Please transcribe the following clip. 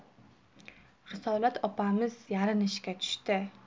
risolat opamiz yalinishga tushdi